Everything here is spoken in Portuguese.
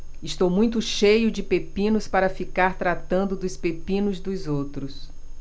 estou muito cheio de pepinos para ficar tratando dos pepinos dos outros